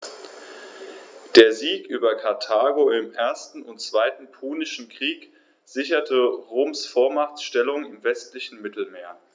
Der Sieg über Karthago im 1. und 2. Punischen Krieg sicherte Roms Vormachtstellung im westlichen Mittelmeer.